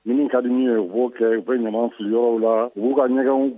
Minnu ka di ye u b'o kɛ u bɛ ɲuman fili yɔrɔ la u'u ka nɛgɛw